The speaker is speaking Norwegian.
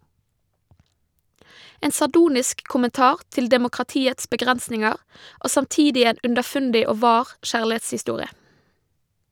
En sardonisk kommentar til demokratiets begrensninger, og samtidig en underfundig og vâr kjærlighetshistorie.